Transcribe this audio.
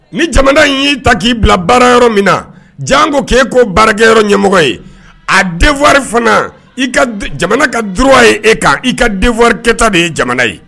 Ni jamana in y'i ta k'i bila baara yɔrɔ min na jan ko k'e ko baarakɛyɔrɔ ɲɛmɔgɔ ye a denwa fana i ka jamana ka dwa ye e kan i ka denwakɛta de ye jamana ye